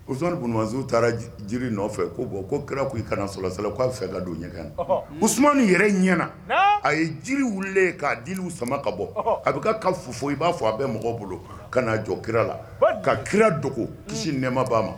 taara jiri nɔfɛ ko bon ko Kira ko i ka na salalahu alehi wasalamu k'a bɛ fɛ ka don ɲɛgɛn na, Usumani yɛrɛ ɲɛna a ye jiri wuli k'a diliw sama ka bɔ a bɛ kɛ ka fofo i b'a fɔ a bɛ mɔgɔw bolo ka n'a jɔ Kira la, ka Kira dogo kisi ni nɛɛma b'a ma